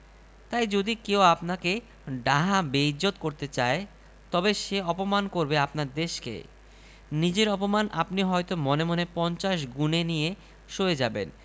কার দাবিটা ঠিক ধনীর না জ্ঞানীর আমি নিজে জ্ঞানের সন্ধানে ফিরি কাজেই আমার পক্ষে নিরপেক্ষ হওয়া কঠিন তবে একটা জিনিস আমি লক্ষ করেছি